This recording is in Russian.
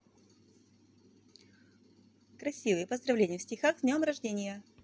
красивые поздравления в стихах с днем рождения